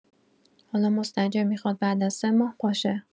حالا مستاجر می‌خواد بعد از ۳ ماه پاشه.